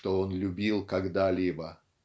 что он любил когда-либо".